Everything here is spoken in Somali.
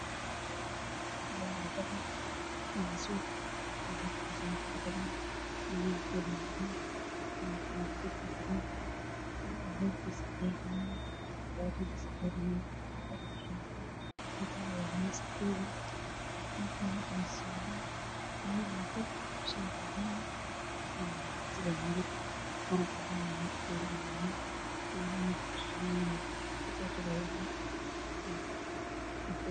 Beeshaan oo meel wada ah waxaa marayso Ri waxaa kale oo iga muuqdo guriyo dhaadheer